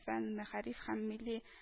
Фән, мәгариф һәм милли